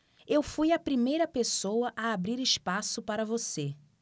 eu fui a primeira pessoa a abrir espaço para você